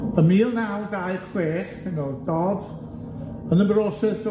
Ym mil naw dau chwech, pan o'dd Dodd yn y broses o